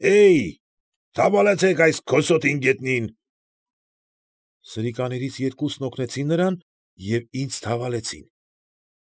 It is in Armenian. Է՜յ, թավալեցեք այս քոսոտին գետին… Սրիկաներից երկուսն օգնեցին նրան և ինձ թավալեցին։